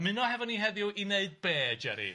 Ymuno hefo ni heddiw i neud be Jerry?